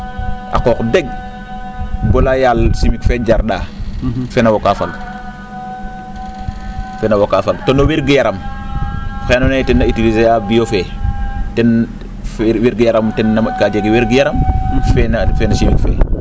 a qooq deg balaa yaal chimique fee jar?aa fene wo kaa fag fene na wo kaa fag too no wer gu yaram oxee andoona yee ten na utiliser a bio fee ten wergu yaram tena mo? kaa jeg wergu yaram fee feeno chimique fee